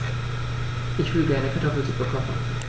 Ich will gerne Kartoffelsuppe kochen.